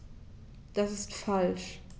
Das ist falsch.